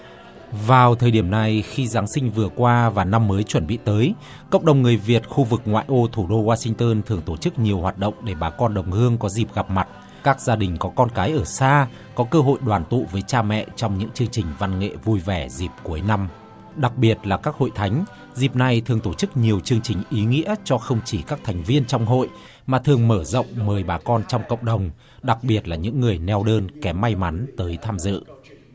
vào thời điểm này khi giáng sinh vừa qua và năm mới chuẩn bị tới cộng đồng người việt khu vực ngoại ô thủ đô oa sinh tơn thường tổ chức nhiều hoạt động để bà con đồng hương có dịp gặp mặt các gia đình có con cái ở xa có cơ hội đoàn tụ với cha mẹ trong những chương trình văn nghệ vui vẻ dịp cuối năm đặc biệt là các hội thánh dịp này thường tổ chức nhiều chương trình ý nghĩa cho không chỉ các thành viên trong hội mà thường mở rộng mời bà con trong cộng đồng đặc biệt là những người neo đơn kém may mắn tới tham dự